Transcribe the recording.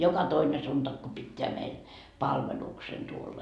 joka toinen sunnuntai kun pitää meille palveluksen tuolla